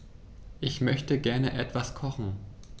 Ich möchte gerne etwas kochen.